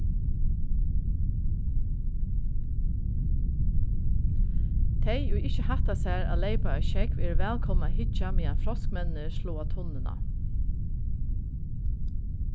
tey ið ikki hætta sær at leypa á sjógv eru vælkomin at hyggja meðan froskmenninir sláa tunnuna